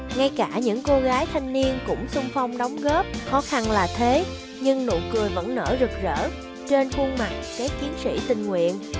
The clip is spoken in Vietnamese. ngay cả những cô gái thanh niên cũng xung phong đóng góp khó khăn là thế nhưng nụ cười vẫn nở rực rỡ trên khuôn mặt các chiến sĩ tình nguyện